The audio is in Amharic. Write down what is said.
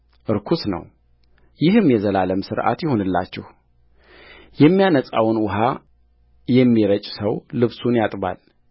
ርኩስ ነውይህም የዘላለም ሥርዓት ይሆንላችኋል የሚያነጻውን ውኃ የሚረጭ ሰው ልብሱን ያጥባል